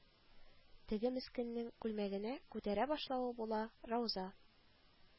Теге мескеннең күлмәген күтәрә башлавы була, Рауза